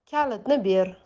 kalitni ber